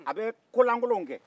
a bɛ ko lankolonw kɛ